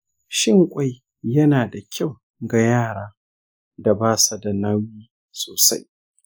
shin ƙwai yana da kyau ga yara da ba sa da nauyi sosai?